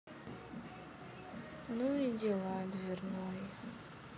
ну и дела дверной